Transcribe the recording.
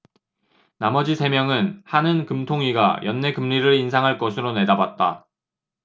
나머지 세 명은 한은 금통위가 연내 금리를 인상할 것으로 내다봤다